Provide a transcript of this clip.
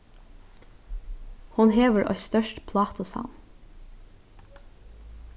hon hevur eitt stórt plátusavn